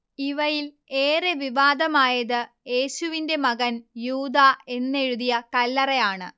ഇവയിൽ ഏറെ വിവാദമായത് യേശുവിന്റെ മകൻ യൂദാ എന്നെഴുതിയ കല്ലറയാണ്